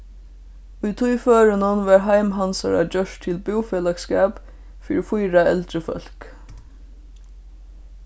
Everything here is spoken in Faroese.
í tí førinum var heim hansara gjørt til búfelagsskap fyri fýra eldri fólk